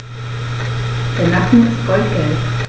Der Nacken ist goldgelb.